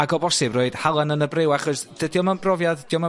ag o bosib roid halen yn y briw, achos dydi o'm yn brofiad 'diom yn